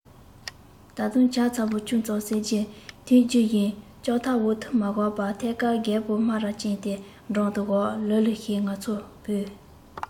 ད དུང ཇ ཚ པོ ཅུང ཙམ བསྲེས རྗེས དུས རྒྱུན བཞིན ལྕགས ཐབ འོག ཏུ མ བཞག པར ཐད ཀར རྒད པོ སྨ ར ཅན དེའི འགྲམ དུ བཞག ལི ལི ཞེས ང ཚོར བོས